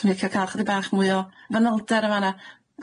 So'n i'n licio ca'l chydig bach mwy o fanylder yn fan'a.